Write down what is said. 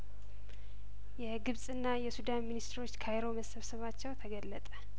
የግብጽና የሱዱን ሚኒስትሮች ካይሮ መሰባሰባቸው ተገለጠ